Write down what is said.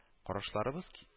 Карашларыбыз